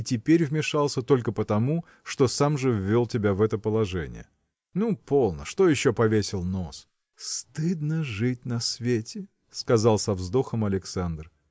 и теперь вмешался только потому, что сам же ввел тебя в это положение. Ну, полно, что еще повесил нос? – Стыдно жить на свете!. – сказал со вздохом Александр.